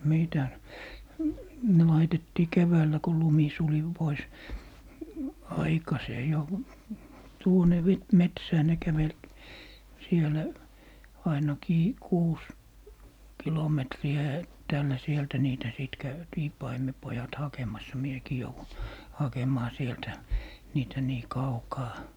mitäs ne laitettiin keväällä kun lumi suli pois aikaiseen jo tuonne metsään ne käveli siellä ainakin kuusi kilometriä etäällä sieltä niitä sitten käytiin paimenpojat hakemassa minäkin jouduin hakemaan sieltä niitä niin kaukaa